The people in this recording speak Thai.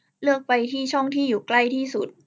เลื่อนไปที่ช่องที่อยู่ใกล้ที่สุด